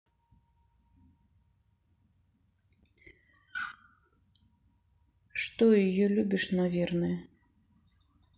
что ее любишь наверное